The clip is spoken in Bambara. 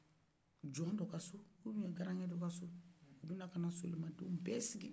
jɔn dɔ ka sɔ u biɛn garange dɔ so o bɛna ka soloma denw bɛ sigi